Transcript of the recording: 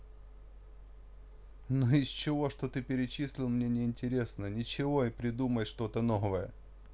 ну из всего что ты перечислил мне неинтересно ничего придумай что то новое